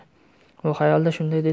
u xayolida shunday dediyu